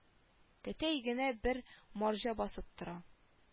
Тәтәй генә бер марҗа басып тора